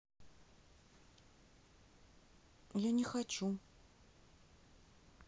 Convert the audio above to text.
я не хочу